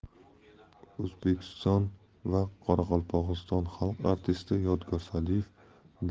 o'zbekiston va qoraqalpog'iston xalq artisti yodgor sa'diyev